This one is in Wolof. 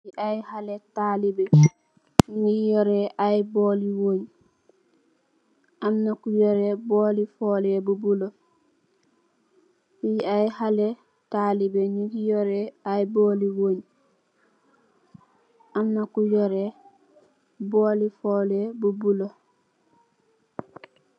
Aye halle talibeh, nyungi yoreh aye booli wonye, amna ku yoreh booli fooleh bu buleuh.